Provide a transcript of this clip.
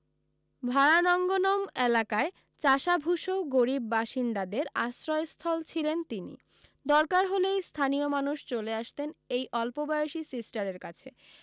ভারানঙ্গনম এলাকার চাষাভুষো গরিব বাসিন্দাদের আশ্রয়স্থল ছিলেন তিনি দরকার হলেই স্থানীয় মানুষ চলে আসতেন এই অল্পবয়সি সিস্টারের কাছে